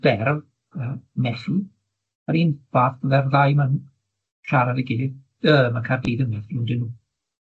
ferf, yy methu, yr un fath bydde'r ddau 'ma'n siarad i'w gilydd, yy ma' Caerdydd yn methu on'd 'yn nw?